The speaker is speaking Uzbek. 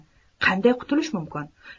qanday qutulish mumkin